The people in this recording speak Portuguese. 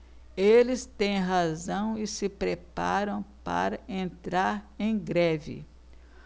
eles têm razão e se preparam para entrar em greve